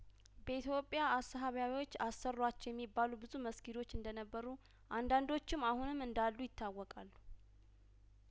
በኢትዮጵያ አስሀባዎች አሰሯቸው የሚባሉ ብዙ መስጊዶች እንደነበሩ አንዳንዶችም አሁንም እንዳሉ ይታወቃሉ